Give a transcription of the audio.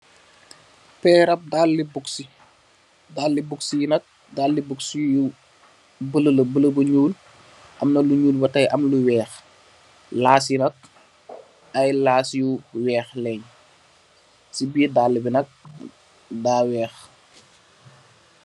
Perr lap dalale box. Dale box yi nak bola la bolo bu nglu.am na lu nul am lu weyh. Las yi nak las yu weyh len.si birr dalabinak dafa weyh.